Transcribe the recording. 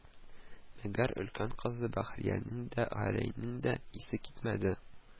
Мәгәр өлкән кыз Бәхриянең дә, Гәрәйнең дә исе китмәде